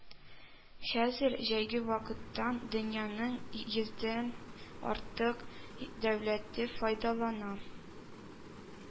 Хәзер җәйге вакыттан дөньяның йөздән артык дәүләте файдалана